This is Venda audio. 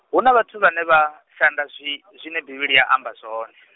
huna vhathu vhane vha, shanda zwi-, zwine Bivhili ya amba zwone.